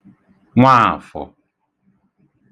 Nwaàfọ̀